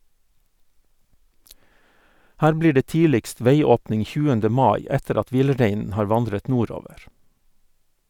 Her blir det tidligst veiåpning 20. mai etter at villreinen har vandret nordover.